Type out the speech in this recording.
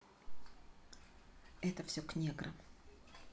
это все к неграм